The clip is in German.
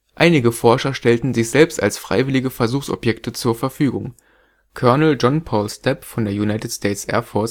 Einige Forscher stellten sich selbst als freiwillige Versuchsobjekte zur Verfügung. Colonel John Paul Stapp (USAF) beispielsweise ließ